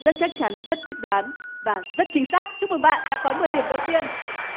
rất chắc chắn rất quyết đoán và rất chính xác chúc mừng bạn đã có mười điểm đầu tiên